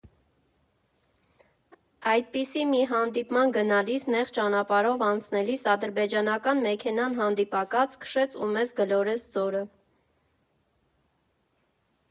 Այդպիսի մի հանդիպման գնալիս նեղ ճանապարհով անցնելիս ադրբեջանական մեքենան հանդիպակաց քշեց ու մեզ գլորեց ձորը։